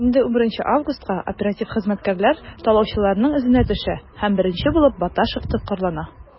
Инде 11 августка оператив хезмәткәрләр талаучыларның эзенә төшә һәм беренче булып Баташев тоткарлана.